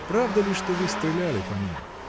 — Правда ли, что вы стреляли по нем?